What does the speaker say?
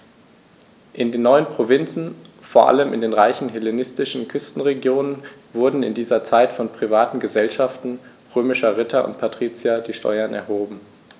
In den neuen Provinzen, vor allem in den reichen hellenistischen Küstenregionen, wurden in dieser Zeit von privaten „Gesellschaften“ römischer Ritter und Patrizier die Steuern erhoben.